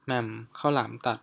แหม่มข้าวหลามตัด